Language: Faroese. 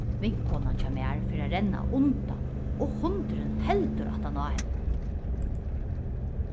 vinkonan hjá mær fer at renna undan og hundurin heldur aftan á henni